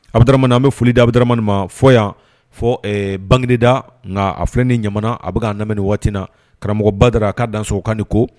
A bɛ an bɛ foli da a bɛmani ma fɔ yan bangeda nka a filɛin ɲamana a bɛ'a lamɛn waati na karamɔgɔbadara k'a danso kan ko